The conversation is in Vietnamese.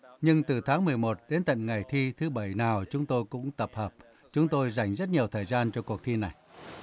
nhưng từ tháng mười một đến tận ngày thi thứ bảy nào chúng tôi cũng tập hợp chúng tôi dành rất nhiều thời gian cho cuộc thi này